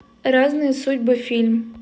разные судьбы фильм